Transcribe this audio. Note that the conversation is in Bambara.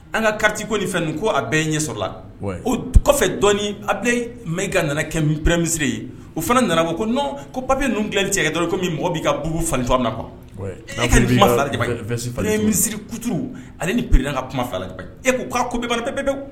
An ka kati ko nin fɛn ko a bɛɛ ɲɛ sɔrɔ la o kɔfɛ dɔɔni a bɛ m ka nana kɛpɛ misisirire ye o fana nana ko ko nɔn papi ninnulɛn cɛkɛ dɔɔnin kɔmi min mɔgɔ b'i kaugu falen tɔ na kuwa kuma fila misisiri kutuuru ale ni pere ka kuma filaba e ko' ko bɛ barikap bɛɛbe